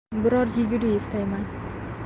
biror yegulik istayman